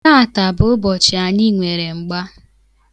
Taata bụ ụbọchị anyị nwere mgba.